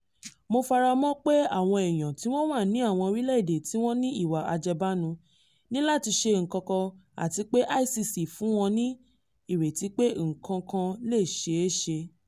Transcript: Mo faramọ pé àwọn èèyàn tí wọ́n wà ní àwọn orílẹ̀-èdè tí wọ́n ní ìwà àjẹbánu ní láti ṣe nǹkankan àti pé ICC fún wọn ní ìrètí pé nǹkankan le ṣeéṣe.